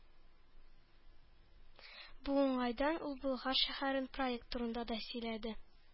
Бу уңайдан ул Болгар шәһәрен проект турында да сөйләде.